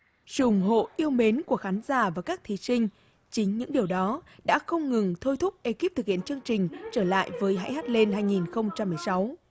sự ủng hộ yêu mến của khán giả và các thí sinh chính những điều đó đã không ngừng thôi thúc ê kíp thực hiện chương trình trở lại với hãy hát lên hai nghìn không trăm mười sáu